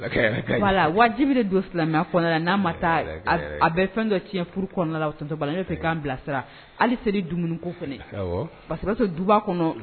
A kaɲi a kaɲi voilà wajibi den don silamɛya kɔɔna la n'a ma taa ab a bɛ fɛn dɔ tiɲɛ furu kɔɔna la o tonton Bala ne be fɛ i k'an bilasira hali seli dumuni ko fɛnɛ awɔ parce que i b'a sɔrɔ duba kɔnɔ